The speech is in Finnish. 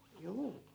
juu